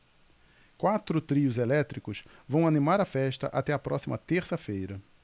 quatro trios elétricos vão animar a festa até a próxima terça-feira